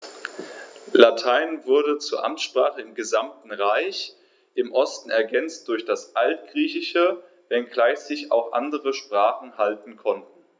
Latein wurde zur Amtssprache im gesamten Reich (im Osten ergänzt durch das Altgriechische), wenngleich sich auch andere Sprachen halten konnten.